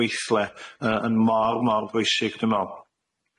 gweithle yy yn mor mor bwysig dwi me'wl.